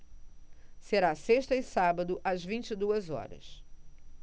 será sexta e sábado às vinte e duas horas